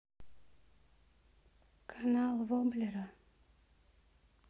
канал воблера